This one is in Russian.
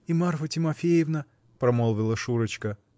-- И Марфа Тимофеевна, -- промолвила Шурочка.